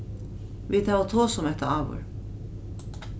vit hava tosað um hetta áður